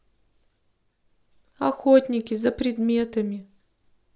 охотники за предметами